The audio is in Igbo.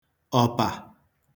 ọpà